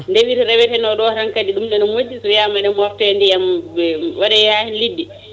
ndewi to rewetenoɗo tan kadi ɗum ene moƴƴi so wiyama ene mofte ndiyam waɗaya hen liɗɗi